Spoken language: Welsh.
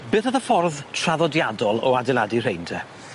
Beth o'dd y ffordd traddodiadol o adeiladu rhein te?